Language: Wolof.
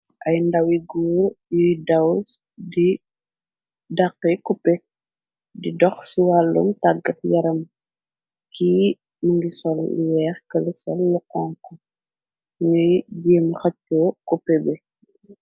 Ay ndawi goor yuy daw di daqe cupe, di dox ci wàllum tàggat yaram, ki mu ngi sol lu weex këli sol lu xonxu, ñuy jéem xacco cupe bi.